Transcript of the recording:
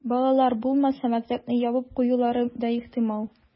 Балалар булмаса, мәктәпне ябып куюлары да ихтимал.